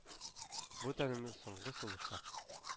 Бу тәнемне соңгы сулышта.